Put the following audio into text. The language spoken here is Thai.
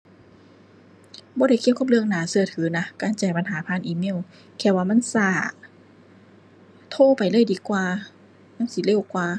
บ่ได้เกี่ยวกับเรื่องน่าเชื่อถือนะ การแจ้งปัญหาผ่านอีเมล แค่ว่ามันเชื่อ โทรไปเลยดีกว่ามันสิเร็วกว่า